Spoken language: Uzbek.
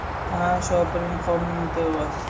ha shopirning qornini to'yg'az